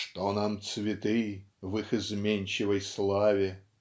"что нам цветы в их изменчивой славе?".